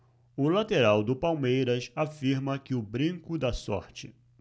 o lateral do palmeiras afirma que o brinco dá sorte